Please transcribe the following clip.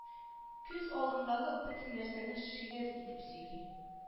Күз алдындагы бөтен нәрсәне шигырь итеп сөйли